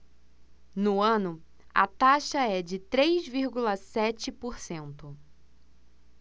no ano a taxa é de três vírgula sete por cento